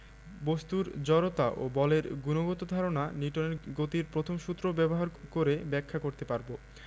বস্তুর জড়তা ও বলের গুণগত ধারণা নিউটনের গতির প্রথম সূত্র ব্যবহার করে ব্যাখ্যা করতে পারব